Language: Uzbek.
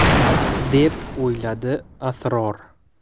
deb o'yladi asror